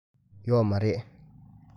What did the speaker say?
ཡོད མ རེད